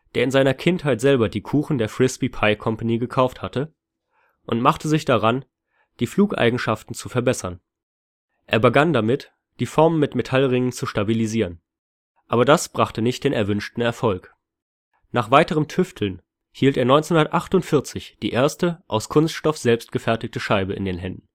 der in seiner Kindheit selbst die Kuchen der „ Frisbie Pie Company “gekauft hatte, und machte sich daran, die Flugeigenschaften zu verbessern. Er begann damit, die Formen mit Metallringen zu stabilisieren, aber das brachte nicht den erwünschten Erfolg. Nach weiterem Tüfteln hielt er 1948 die erste aus Kunststoff selbstgefertigte Scheibe in den